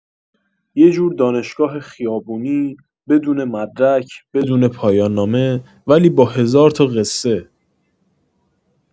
یه جور دانشگاه خیابونی، بدون مدرک، بدون پایان‌نامه، ولی با هزار تا قصه.